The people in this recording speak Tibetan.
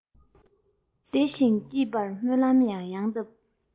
བདེ ཞིང སྐྱིད པར སྨོན ལམ ཡང ཡང བཏབ